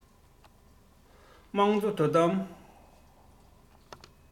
དམངས གཙོ དོ དམ